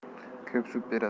ko'p sut beradi